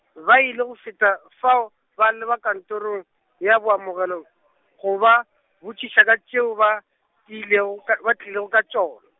ba ile go feta fa, ba leba kantorong, ya boamogelo, go ba botšišiša ka tšeo ba, tlilego ka, ba tlilego ka tšona.